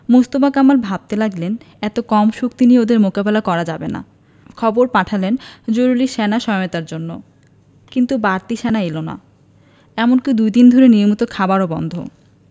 মোস্তফা কামাল ভাবতে লাগলেন এত কম শক্তি নিয়ে ওদের মোকাবিলা করা যাবে না খবর পাঠালেন জরুরি সেনা সহায়তার জন্য কিন্তু বাড়তি সেনা এলো না এমনকি দুই দিন ধরে নিয়মিত খাবারও বন্ধ